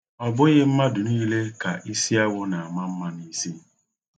Ọ bụghị mmadụ niile ka isiawọ na-ama mma n'isi.